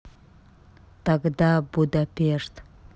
тогда будапешт